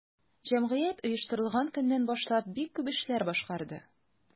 Җәмгыять оештырылган көннән башлап бик күп эшләр башкарды.